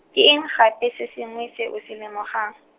ke eng gape se sengwe se o se lemogang?